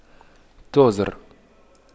توزر